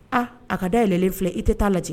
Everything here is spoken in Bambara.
A a ka da yɛlɛɛlɛnlen filɛ i tɛ t taaa lajɛ